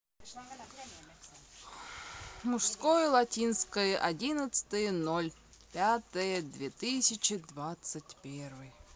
мужское латинское одиннадцатое ноль пятое две тысячи двадцать первый